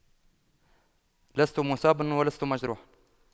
لست مصابا ولست مجروحا